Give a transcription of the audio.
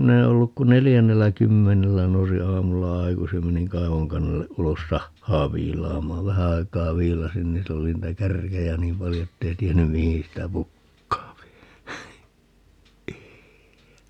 minä en ollut kuin neljännellä kymmenellä nousin aamulla aikaisin ja menin kaivonkannelle ulos sahaa viilaamaan vähän aikaa viilasin niin sillä oli niitä kärkiä niin paljon että ei tiennyt mihin sitä pukkaa